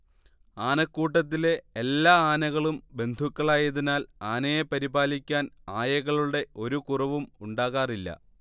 ആനക്കൂട്ടത്തിലെ എല്ലാ ആനകളും ബന്ധുക്കളായതിനാൽ ആനയെ പരിപാലിക്കാൻ ആയകളുടെ ഒരു കുറവും ഉണ്ടാകാറില്ല